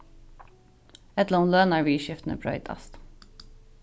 ella um lønarviðurskiftini broytast